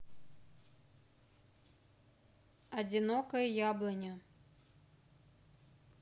одинокая яблоня